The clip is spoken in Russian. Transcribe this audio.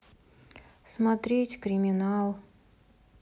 смотреть криминал